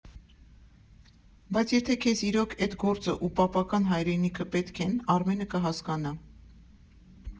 Բայց եթե քեզ իրոք էդ գործը ու պապական հայրենիքը պետք են, Արմենը կհասկանա։